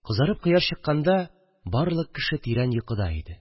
Кызарып кояш чыкканда барлык кеше тирән йокыда иде